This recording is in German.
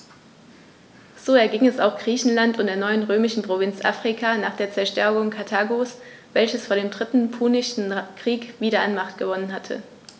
So erging es auch Griechenland und der neuen römischen Provinz Afrika nach der Zerstörung Karthagos, welches vor dem Dritten Punischen Krieg wieder an Macht gewonnen hatte.